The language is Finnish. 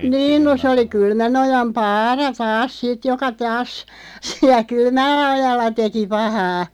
niin no se oli Kylmänojan Paara taas sitten joka taas siellä Kylmälläojalla teki pahaa